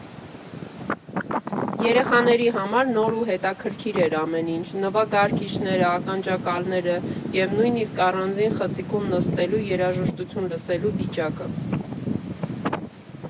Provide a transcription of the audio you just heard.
Երեխաների համար նոր ու հետաքրքիր էր ամեն ինչ՝ նվագարկիչները, ականջակալները և նույնիսկ առանձին խցիկում նստելու, երաժշտություն լսելու վիճակը։